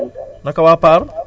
Dame Cissé noo def